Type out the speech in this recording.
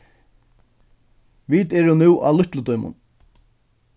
vit eru nú á lítlu dímun